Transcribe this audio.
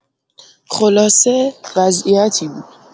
خلاصه، وضعیتی بود.